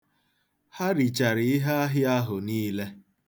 Ha richara iheahịa ahụ niile.